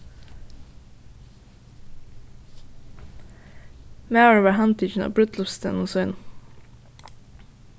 maðurin varð handtikin á brúdleypsdegnum sínum